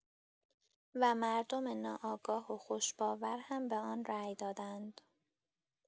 و مردم ناآگاه و خوش‌باور هم به آن رای دادند.